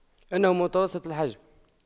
إنه متوسط الحجم